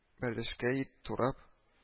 Бәлешкә ит турап